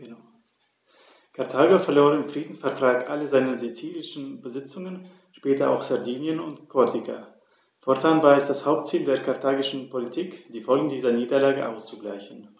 Karthago verlor im Friedensvertrag alle seine sizilischen Besitzungen (später auch Sardinien und Korsika); fortan war es das Hauptziel der karthagischen Politik, die Folgen dieser Niederlage auszugleichen.